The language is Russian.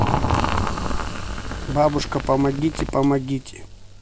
бабушка помогите помогите